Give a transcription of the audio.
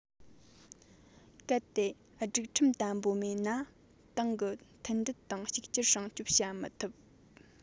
གལ ཏེ སྒྲིག ཁྲིམས དམ པོ མེད ན ཏང གི མཐུན སྒྲིལ དང གཅིག གྱུར སྲུང སྐྱོང བྱ མི ཐུབ